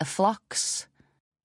y Phlox